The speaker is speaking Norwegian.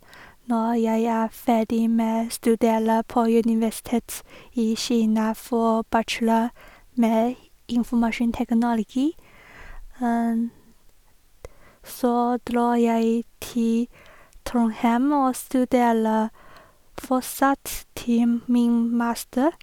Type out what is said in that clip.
Når jeg er ferdig med studere på universitet i Kina for bachelor med informasjonsteknologi, så dra jeg til Trondheim og studerer fortsatt til min master.